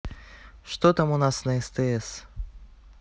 что там у нас на стс